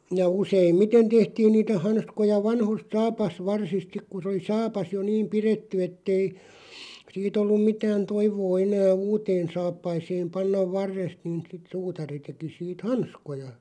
ja useimmiten tehtiin niitä hanskoja vanhoista saapasvarsista sitten kun se oli saapas jo niin pidetty että ei siitä ollut mitään toivoa enää uuteen saappaaseen panna varresta niin sitten suutari teki siitä hanskoja